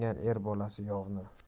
yengar er bolasi yovni